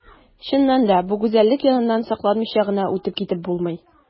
Чыннан да бу гүзәллек яныннан сокланмыйча гына үтеп китеп булмый.